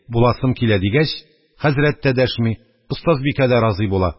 Буласым килә, – дигәч, хәзрәт тә дәшми, остазбикә дә разый була;